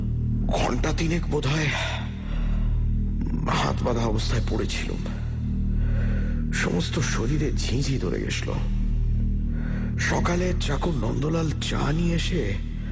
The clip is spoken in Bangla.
ঘণ্টা তিনেক বোধহয় হাত বাঁধা অবস্থায় পড়েছিলুম সমস্ত শরীরে ঝি ঝি ধরে গেসল সকালে চাকর নন্দলাল চা নিয়ে এসে